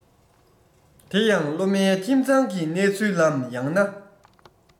དེ ཡང སློབ མའི ཁྱིམ ཚང གི གནས ཚུལ ལམ ཡང ན